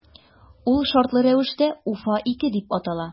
Ул шартлы рәвештә “Уфа- 2” дип атала.